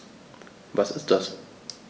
Was ist das?